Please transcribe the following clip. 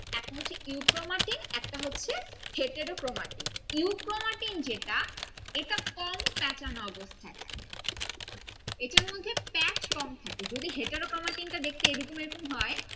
একটা হচ্ছে euchromatin একটা হচ্ছে হেটেরো ক্রোমাটিন ইউক্রোমাটিন যেটা এটা কম পেঁচানো অবস্থায় থাকে এটার মধ্যে প্যাচ কম থাকে যদি হেটারোক্রোমাটিন টা দেখতে এরকম এরকম হয়